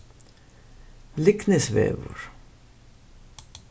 lygnesvegur